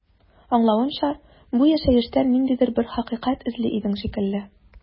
Аңлавымча, бу яшәештән ниндидер бер хакыйкать эзли идең шикелле.